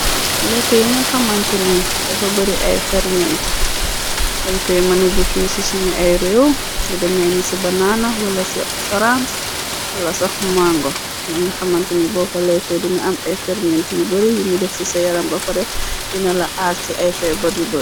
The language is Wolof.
Lekk yi nga xamant ni dafa bari ay fernent dañkoy mëna ji fii ci suñu ay réew li demeeni ci banaana wala ci saranc wala sax mango langa xamant ni boppo lekkey dina am ay fernent yu bari yimi def ci sa yaram ba pare dina la aar ci ay feebar yu ba.